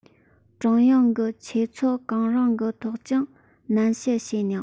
ཀྲུང དབྱང གི གྲོས ཚོགས གང རུང གི ཐོག ཀྱང ནན བཤད བྱས མྱོང